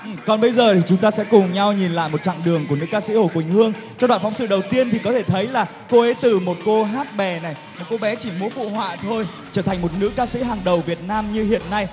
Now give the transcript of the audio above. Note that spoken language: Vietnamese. còn bây gờ thì chúng ta sẽ cùng nhau nhìn lại một chăng đường của nữ ca sĩ hồ quỳnh hương trong đoạn phóng sự đầu tiên thì có thể thấy là cô ấy từ một cô hát bè này một cô bé chỉ múa phụ họa thôi trở thành một nữ ca sĩ hàng đầu việt nam như hiện nay